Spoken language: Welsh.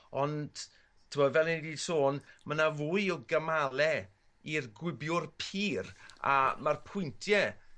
ond t'bod' fel 'yn ni 'di sôn ma' 'na fwy o gymale i'r gwibiwr pur a ma'r pwyntie